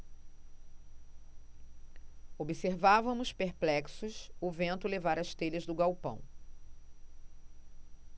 observávamos perplexos o vento levar as telhas do galpão